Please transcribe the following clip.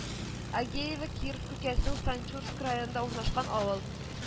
Агеево Киров өлкәсенең Санчурск районында урнашкан авыл